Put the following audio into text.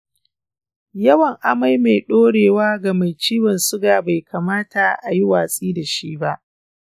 yawan amai mai ɗorewa ga mai ciwon suga bai kamata a yi watsi da shi ba.